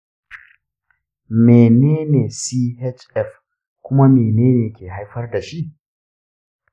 menene chf kuma menene ke haifar da shi?